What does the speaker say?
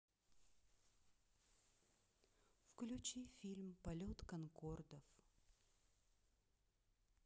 включи фильм полет конкордов